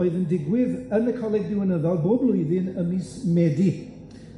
oedd yn digwydd yn y Coleg Ddiwinyddol bob blwyddyn ym mis Medi.